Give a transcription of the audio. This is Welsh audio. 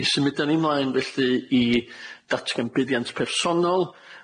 Mi symudan ni ymlaen felly i datganbuddiant personol.